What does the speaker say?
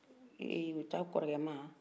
euuh u ta kɔrɔkɛ ba